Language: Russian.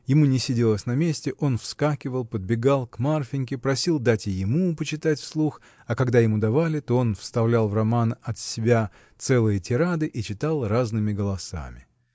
Ему не сиделось на месте, он вскакивал, подбегал к Марфиньке, просил дать и ему почитать вслух, а когда ему давали, то он вставлял в роман от себя целые тирады или читал разными голосами.